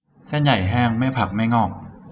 เส้นใหญ่่แห้งไม่ผักไม่งอก